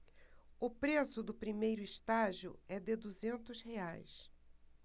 o preço do primeiro estágio é de duzentos reais